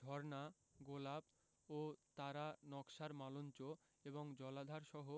ঝর্ণা গোলাপ ও তারা নকশার মালঞ্চ এবং জলাধারসহ